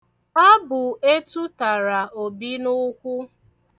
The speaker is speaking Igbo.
Ọ bụ etu tara Obi n'ukwu.